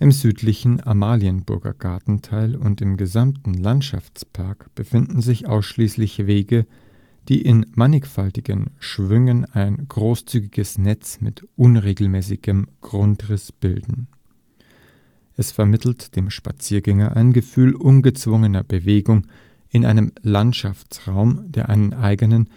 südlichen Amalienburger Gartenteil und im gesamten Landschaftspark befinden sich ausschließlich Wege, die in mannigfaltigen Schwüngen ein großzügiges Netz mit unregelmäßigem Grundriss bilden. Es vermittelt dem Spaziergänger ein Gefühl ungezwungener Bewegung in einem Landschaftsraum, der einen eigenen